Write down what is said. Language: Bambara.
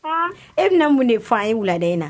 E bɛna mun de fa ye wuladen na